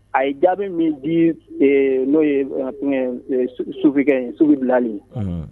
A yi jaabi min di ee no ye sufi kɛ ye sufi Bilali.Unhun